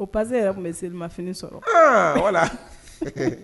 O pase yɛrɛ tun bɛ selimafini sɔrɔ, ɔnn.